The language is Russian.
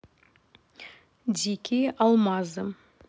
дикие алмазы